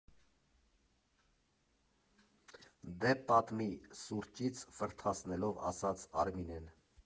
Դե, պատմի, ֊ սուրճից ֆրթացնելով ասաց Արմինեն։